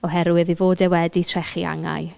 Oherwydd ei fod e wedi trechu angau.